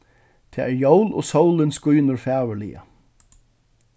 tað eru jól og sólin skínur fagurliga